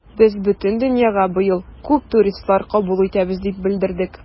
Без бөтен дөньяга быел күп туристлар кабул итәбез дип белдердек.